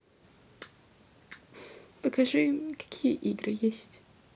покажи какие игры есть